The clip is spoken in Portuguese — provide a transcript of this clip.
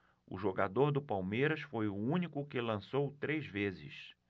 o jogador do palmeiras foi o único que lançou três vezes